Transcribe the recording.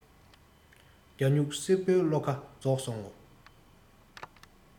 རྒྱ སྨྱུག སེར པོའི བློ ཁ རྫོགས སོང ངོ